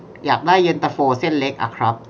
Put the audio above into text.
อยากได้เย็นตาโฟเส้นเล็กอะครับ